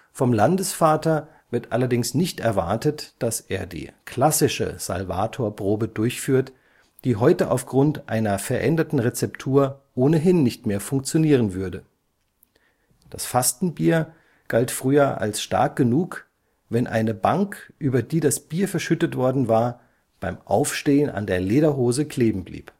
Vom Landesvater wird allerdings nicht erwartet, dass er die „ klassische “Salvatorprobe durchführt, die heute aufgrund einer veränderten Rezeptur ohnehin nicht mehr funktionieren würde: Das Fastenbier galt früher als stark genug, wenn eine Bank, über die das Bier verschüttet worden war, beim Aufstehen an der Lederhose kleben blieb